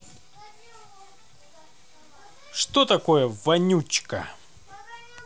что такое вонючка